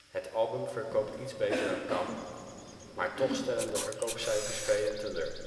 Het album verkoopt iets beter dan Come, maar toch stellen de verkoopcijfers velen teleur